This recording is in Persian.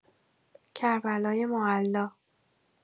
کربلای معلی